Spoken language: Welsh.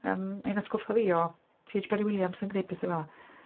Yym, mae'n atgoffa fi o T H Parry Williams yn gwneud pethau fel'a.